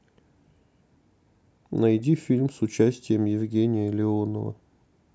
найди фильм с участием евгения леонова